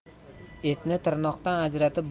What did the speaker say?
etni tirnoqdan ajratib